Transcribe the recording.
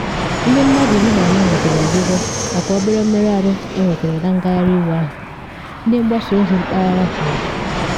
Ndị mmadụ iri na anọ nwetere ọgwụgwọ maka obere mmerụ ahụ enwetara na ngagharị iwe ahụ, ndị mgbasa ozi mpaghara kwuru.